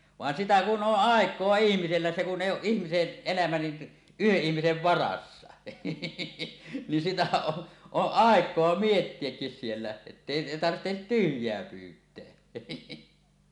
vaan sitä kun on aikaa ihmisellä se kun ei ole ihmisen elämä niin yhden ihmisen varassa niin sitä on on aikaa miettiäkin siellä että ei tarvitse tyhjää pyytää